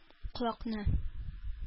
Колакны